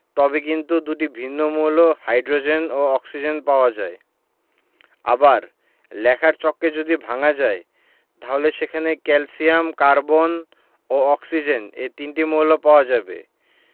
তবে কিন্তু দুটি ভিন্ন মৌল হাইড্রোজেন ও অক্সিজেন পাওয়া যায় আবার লেখার চককে যদি ভাঙা যায় তাহলে সেখানে ক্যালসিয়াম কার্বন ও অক্সিজেন এ তিনটি মৌল পাওয়া যাবে